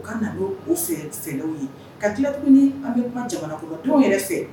U ka na n'o fɛɛrɛw ye, ka tila tuguni an bɛ kuma jamanakɔnɔdenw yɛrɛ fɛ